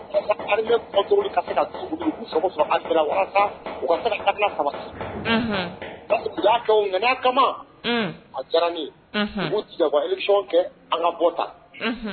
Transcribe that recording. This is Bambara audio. Walasa' nka kama a diyarasɔn kɛ an ka bɔ ta